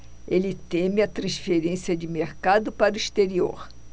ele teme a transferência de mercado para o exterior